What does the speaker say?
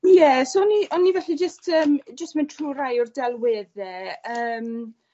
Is so o'n i o'n i falle jyst yym jyst mynd trw rai o'r delwedde yym